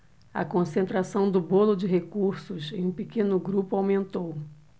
a concentração do bolo de recursos em um pequeno grupo aumentou